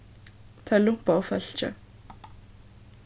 tær lumpaðu fólkið